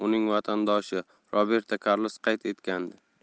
vatandoshi roberto karlos qayd etgandi